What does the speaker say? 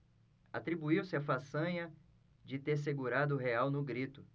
atribuiu-se a façanha de ter segurado o real no grito